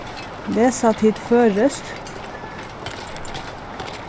lesa tit føroyskt